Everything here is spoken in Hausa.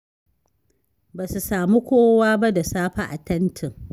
Ba su sami kowa ba da safe a tentin.